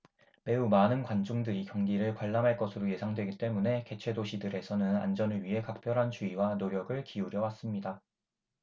매우 많은 관중이 경기를 관람할 것으로 예상되기 때문에 개최 도시들에서는 안전을 위해 각별한 주의와 노력을 기울여 왔습니다